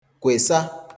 kwèsa